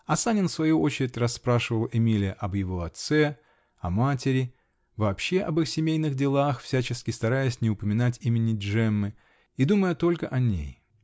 А Санин в свою очередь расспрашивал Эмиля об его отце, о матери, вообще об их семейных делах, всячески стараясь не упоминать имени Джеммы -- и думая только о ней.